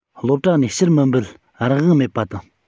སློབ གྲྭ ནས ཕྱིར མི འབུད རང དབང མེད པ དང